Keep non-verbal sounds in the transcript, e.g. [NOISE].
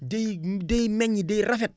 day [HESITATION] day meññ day rafet